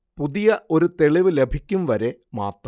പുതിയ ഒരു തെളിവ് ലഭിക്കും വരെ മാത്രം